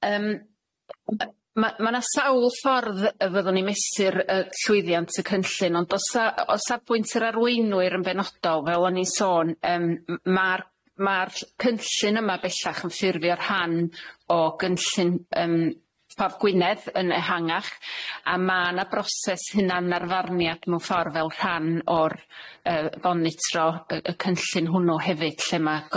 Yym yy ma' ma' 'na sawl ffordd yy fyddwn ni mesur y llwyddiant y cynllun ond o's 'a o's 'a pwynt i'r arweinwyr yn benodol fel o'n i'n sôn yym ma'r ma'r ll- cynllun yma bellach yn ffurfio rhan o gynllun yym Pab Gwynedd yn ehangach, a ma' 'na broses hunan arfarniad mewn ffor' fel rhan o'r yy fonitro y y cynllun hwnnw hefyd lle ma'